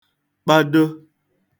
kpado